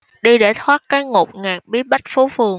đi để thoát cái ngột ngạt bí bách phố phường